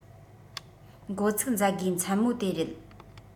འགོ ཚུགས མཛད སྒོའི མཚན མོ དེ རེད